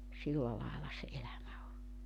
silla lailla se elämä on